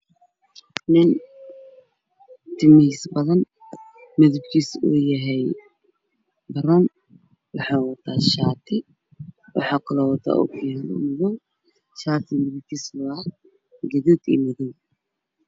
Nin dantiisa badan kiisa daroon wata shati rkiisu waa guduud iyo caddaan